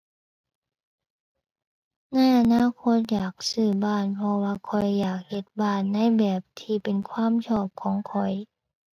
ในอนาคตอยากซื้อบ้าน เพราะว่าข้อยอยากเฮ็ดบ้านในแบบที่เป็นความชอบของข้อย